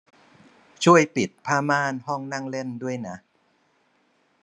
ช่วยปิดผ้าม่านห้องนั่งเล่นด้วยนะ